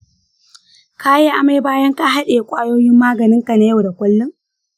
ka yin amai bayan ka haɗiye ƙwayoyin maganin ka na yau da kullum?